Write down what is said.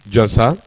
Jaa sa